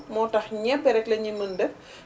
moo tax ñebe rek lañuy mën a def